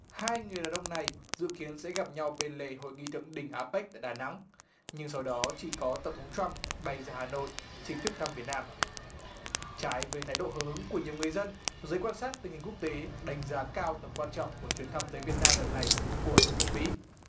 hai người đàn ông này dự kiến sẽ gặp nhau bên lề hội nghị thượng đỉnh a bếc tại đà nẵng nhưng sau đó chỉ có tổng thống trăm bay ra hà nội chính thức thăm việt nam trái với thái độ hào hứng của nhiều người dân giới quan sát tình hình quốc tế đánh giá cao tầm quan trọng của chuyến thăm tới việt nam lần này của tổng thống mỹ